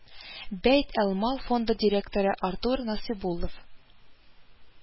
“бәйт әл-мал” фонды директоры артур насыйбуллов